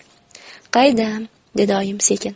qaydam dedi oyim sekin